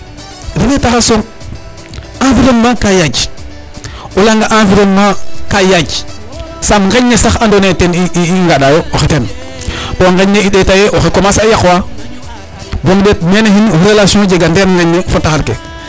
Refee taxar soom environnement ka yaaj o layanga environnement ka yaaj yaam nqeñ ne sax andoona yee ten i nqaɗaqyo oxey teen to nqeñ ne i ɗeeta ye a commencer a yaqwaa boon ndet mene axin relation jega ndeer nqeñ ne fo taxar ke.